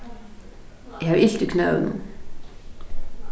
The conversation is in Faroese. eg havi ilt í knøunum